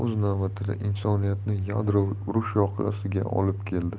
o'z navbatida insoniyatni yadroviy urush yoqasiga olib keldi